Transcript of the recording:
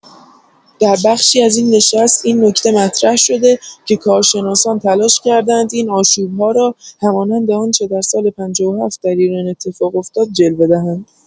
در بخشی از این نشست این نکته مطرح‌شده که کارشناسان تلاش کردند این آشوب‌ها را همانند آنچه در سال ۵۷ در ایران اتفاق افتاد جلوه دهند.